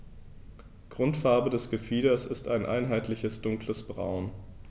Grundfarbe des Gefieders ist ein einheitliches dunkles Braun.